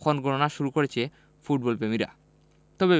ক্ষণগণনা শুরু করেছেন ফুটবলপ্রেমীরা তবে